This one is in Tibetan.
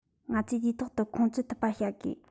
ང ཚོས དུས ཐོག ཏུ ཁོང ཆུད ཐུབ པ བྱ དགོས